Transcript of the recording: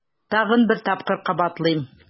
Тагын бер тапкыр кабатлыйм: